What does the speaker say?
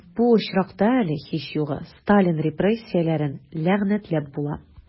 Бу очракта әле, һич югы, Сталин репрессияләрен ләгънәтләп була...